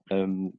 yym